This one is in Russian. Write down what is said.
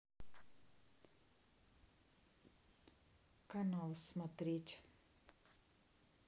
канал смотреть